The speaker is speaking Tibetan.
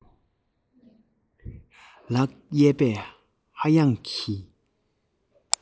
ལག གཡས པས ཧ ཡང གི